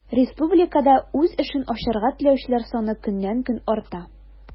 Республикада үз эшен ачарга теләүчеләр саны көннән-көн арта.